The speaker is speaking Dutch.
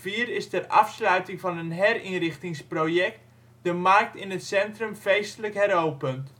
2004 is ter afsluiting van een herinrichtingsproject de Markt in het centrum feestelijk heropend.